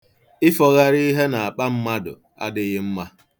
Ịfọgharị ihe n'akpa mmadụ adịghị mma.